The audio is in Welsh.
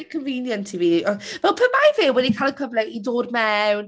Bit convenient i fi. Yy fel pe bai fe wedi cael y cyfle i dod mewn...